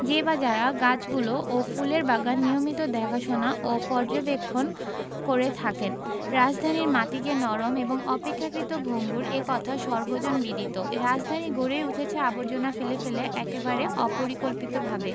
যে বা যারা গাছগুলো ও ফুলের বাগান নিয়মিত দেখাশোনা ও পরিচর্যা করে থাকেন রাজধানীর মাটি যে নরম এবং অপেক্ষাকৃত ভঙ্গুর এ কথা সর্বজনবিদিত রাজধানী গড়েই উঠেছে আবর্জনা ফেলে ফেলে একেবারেই অপরিকল্পিতভাবে